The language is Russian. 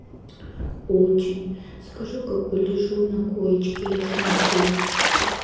очень скажу как бы лежу на коечке я смотрю